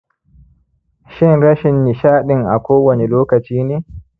shin rashin nishaɗin a kowane lokaci ne